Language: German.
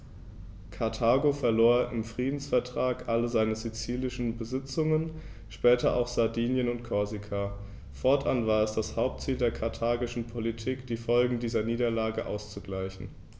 Karthago verlor im Friedensvertrag alle seine sizilischen Besitzungen (später auch Sardinien und Korsika); fortan war es das Hauptziel der karthagischen Politik, die Folgen dieser Niederlage auszugleichen.